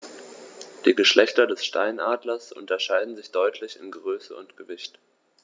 Die Geschlechter des Steinadlers unterscheiden sich deutlich in Größe und Gewicht.